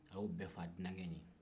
a y'o bɛɛ faa dunankɛ in ye